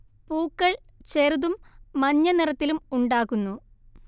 പൂക്കൾ ചെറുതും മഞ്ഞ നിറത്തിലും ഉണ്ടാകുന്നു